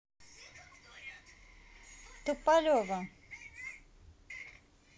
туполева